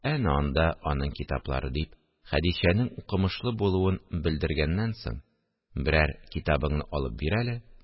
Әнә анда аның китаплары, – дип, Хәдичәнең укымышлы булуын белдергәннән соң: – Берәр китабыңны алып бир әле